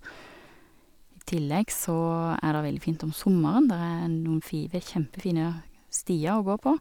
I tillegg så er der veldig fint om sommeren, der er noen fi ve kjempefine stier å gå på.